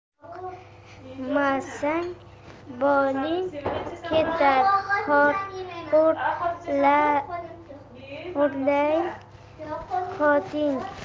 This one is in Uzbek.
boqmasang moling ketar xo'rlasang xotining